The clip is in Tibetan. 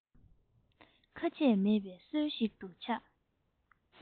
ཁ ཆད མེད པའི སྲོལ ཞིག ཏུ ཆགས